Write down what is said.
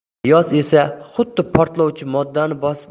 niyoz esa xuddi portlovchi moddani bosib